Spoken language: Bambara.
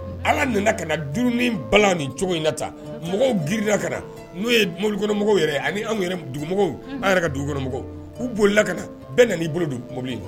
Ala nana ka na durunin balan tan ni cogo in na tan .Mɔgɔw girinina ka na no ye mɔbilikɔnɔmɔgɔ yɛrɛ ani dugumɔgɔw an yɛrɛ ka dugukɔnɔmɔgɔw u bolila ka bɛɛ nana ki bolo don ye